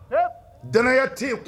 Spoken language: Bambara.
Hee, ddnanya tɛ yen kun.